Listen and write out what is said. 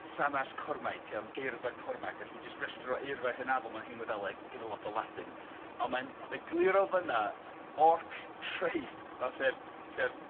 Sanas Cormaic yym geirfa Cormaic, felly jyst restyr o eirfa hynafol mewn hen Wyddeleg gyda lot o Ladin on' mae'n egluro fanna orc traeth o sef sef